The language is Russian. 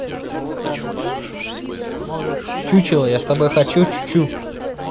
чучело я с тобой хочу чучу